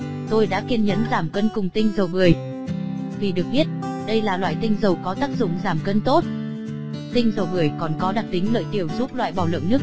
tôi đã kiên nhẫn giảm cân nhờ tinh dầu bưởi vì được biết đây là loại tinh dầu có tác dụng giảm cân tốt tinh dầu bười còn có đặc tính lợi tiểu tiểu giúp loại bỏ lượng nước dư